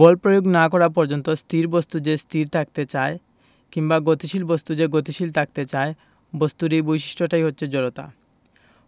বল প্রয়োগ না করা পর্যন্ত স্থির বস্তু যে স্থির থাকতে চায় কিংবা গতিশীল বস্তু যে গতিশীল থাকতে চায় বস্তুর এই বৈশিষ্ট্যটাই হচ্ছে জড়তা